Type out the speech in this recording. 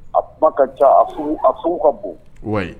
A kuma ka ca a a f ka bon ye